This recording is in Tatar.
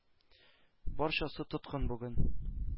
Барчасы тоткын бүген!..